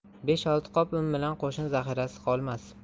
besh olti qop un bilan qo'shin zaxirasiz qolmas